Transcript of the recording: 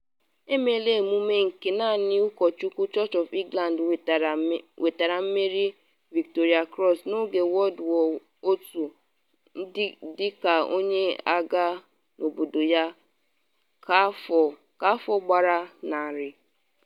Emeela emume nke naanị ụkọchukwu Church of England nwetara mmeri Victoria Cross n’oge World War One dị ka onye agha n’obodo ya ka afọ gbara 100.